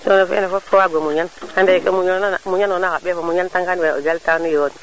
cono feene fop ko waago muñan ande ke muñona muñanona xa ɓeex o muñan tangaan we o jalta nu yoon